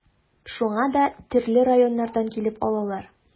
Шуңа да төрле районнардан килеп алалар.